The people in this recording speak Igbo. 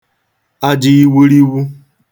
aja iwuliwu